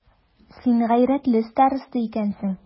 Син гайрәтле староста икәнсең.